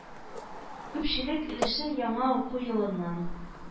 Күпчелек өлешен яңа уку елыннан